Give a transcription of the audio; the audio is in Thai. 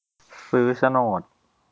ซื้อโฉนด